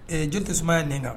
Ɛ jeli tɛ tasuma ye nin kan